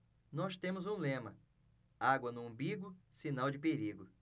nós temos um lema água no umbigo sinal de perigo